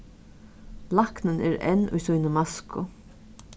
læknin er enn í síni masku